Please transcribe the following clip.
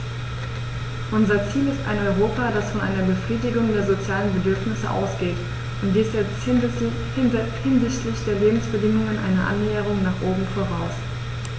Unser Ziel ist ein Europa, das von einer Befriedigung der sozialen Bedürfnisse ausgeht, und dies setzt hinsichtlich der Lebensbedingungen eine Annäherung nach oben voraus.